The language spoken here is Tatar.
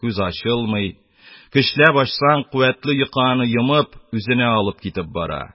Күз ачылмый, көчләп ачсаң, куәтле йокы аны йомып, үзенә алып китеп бара